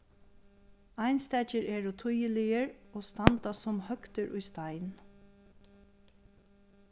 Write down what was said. einstakir eru týðiligir og standa sum høgdir í stein